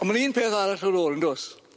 On' ma'n un peth arall ar ôl yndos?